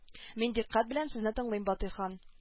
Мин дикъкать белән сезне тыңлыйм батый хан